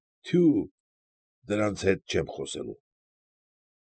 Թյո՛ւ, դրանց հետ չեմ խոսելու։